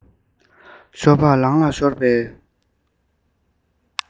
ཤོ སྦག ལང ལ ཤོར པའི